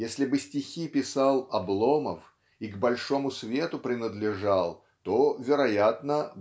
если бы стихи писал Обломов и к большому свету принадлежал то вероятно